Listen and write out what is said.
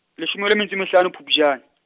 leshome le metso e mehlano Phupjane.